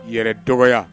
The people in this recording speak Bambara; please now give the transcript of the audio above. Yɛrɛ tɔgɔ